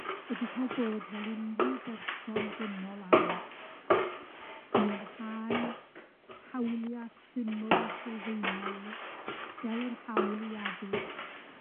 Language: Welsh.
ydi cael bod fel unryw berson dynol arall, mwynhau hawlia' syml sylfaenol, fel yr hawl i addysg,